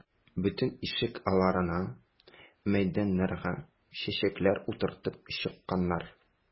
Бөтен ишек алларына, мәйданнарга чәчәкләр утыртып чыкканнар.